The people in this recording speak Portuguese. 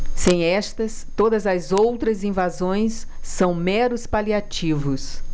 sem estas todas as outras invasões são meros paliativos